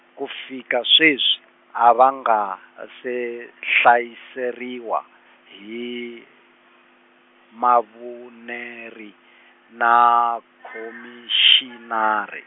ku fika sweswi, a va nga, a se hlayiseriwa, hi, mavuneri- na, Khomixinari.